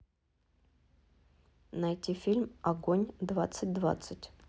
найти фильм огонь двадцать двадцать